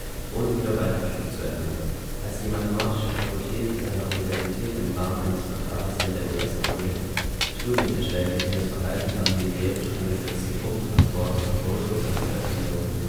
ohne jedoch einen Abschluss zu erlangen. Als die mathematische Fakultät seiner Universität im Rahmen eines Vertrages mit der US-Armee Studien erstellte, die das Verhalten von militärisch eingesetzten Truppentransportern und Bulldozern verbessern sollten